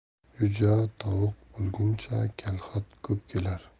jo'ja tovuq bo'lguncha kalxat ko'p kelar